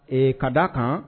Ee ka d' a kan